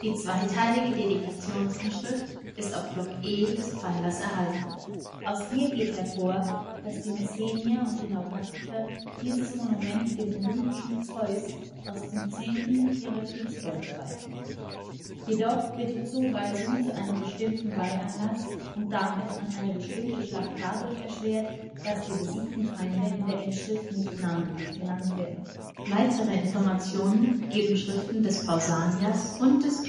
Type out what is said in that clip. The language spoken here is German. zweizeilige Dedikationsinschrift ist auf Block E des Pfeilers erhalten. Aus ihr geht hervor, dass die Messenier und die Naupaktier dieses Monument dem olympischen Zeus aus dem Zehnten ihrer Kriegsbeute weihten. Jedoch wird die Zuweisung zu einem bestimmten Weihanlass und damit an eine bestimmte Schlacht dadurch erschwert, dass die besiegten Feinde in der Inschrift nicht namentlich genannt werden. Weitere Informationen geben Schriften des Pausanias und des